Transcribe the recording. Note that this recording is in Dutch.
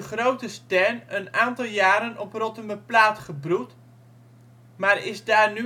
grote stern een aantal jaren op Rottumerplaat gebroed, maar is daar